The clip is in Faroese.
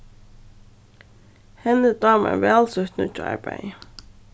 henni dámar væl sítt nýggja arbeiði